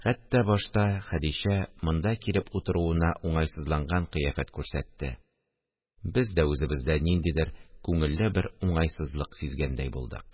Хәтта башта Хәдичә монда килеп утыруына уңайсызланган кыяфәт күрсәтте, без дә үзебездә ниндидер күңелле бер уңайсызлык сизгәндәй булдык.